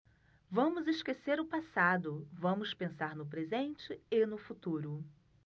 vamos esquecer o passado vamos pensar no presente e no futuro